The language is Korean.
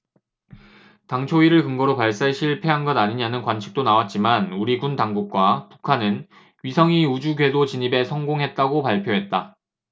당초 이를 근거로 발사에 실패한 것 아니냐는 관측도 나왔지만 우리 군 당국과 북한은 위성이 우주궤도 진입에 성공했다고 발표했다